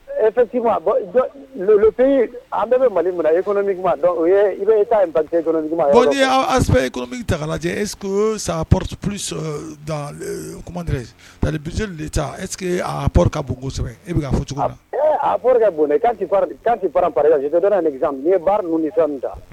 Etilofin an bɛ bɛ mali minɛ e i e taa pake e ta cɛ e sa ppri bilisisiri de taa eseke p bon kosɛbɛ e bɛ fɔ cogoya la p bon ye baara ninnu fɛn ta